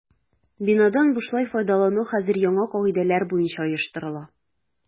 Бинадан бушлай файдалану хәзер яңа кагыйдәләр буенча оештырыла.